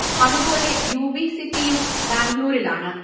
അതു പോലെ U B സിറ്റിയും ബാംഗ്ലൂരിലാണ്